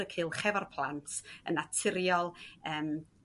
y cylch hefo'r plant yn naturiol yym